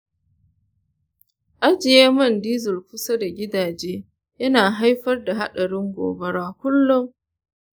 ajiye man diesel kusa da gidaje yana haifar da haɗarin gobara kullum.